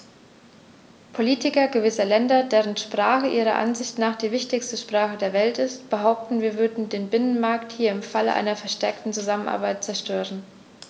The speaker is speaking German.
Politiker gewisser Länder, deren Sprache ihrer Ansicht nach die wichtigste Sprache der Welt ist, behaupten, wir würden den Binnenmarkt hier im Falle einer verstärkten Zusammenarbeit zerstören.